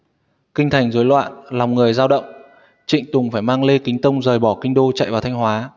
kinh thành rối loạn lòng người dao động trịnh tùng phải mang lê kính tông rời bỏ kinh đô chạy vào thanh hoa